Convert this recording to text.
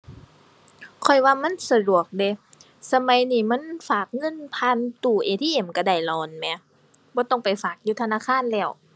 ข้อยว่ามันสะดวกเดะ สมัยนี้มันฝากเงินผ่านตู้ ATM ก็ได้แล้วนั่นแหม บ่ต้องไปฝากอยู่ธนาคารแล้ว